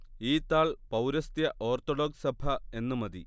ഈ താൾ പൗരസ്ത്യ ഓർത്തഡോക്സ് സഭ എന്ന് മതി